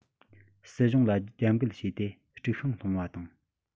སྲིད གཞུང ལ རྒྱབ འགལ བྱས ཏེ དཀྲུག ཤིང སློང བ དང